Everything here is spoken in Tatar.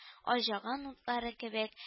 Аҗаган утлары кебек